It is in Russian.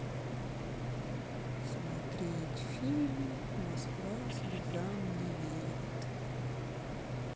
смотреть фильм москва слезам не верит